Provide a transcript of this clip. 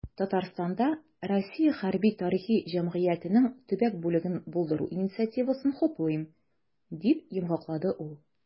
"татарстанда "россия хәрби-тарихи җәмгыяте"нең төбәк бүлеген булдыру инициативасын хуплыйм", - дип йомгаклады ул.